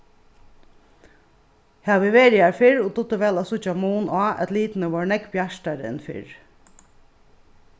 havi verið har fyrr og dugdi væl at síggja mun á at litirnir vóru nógv bjartari enn fyrr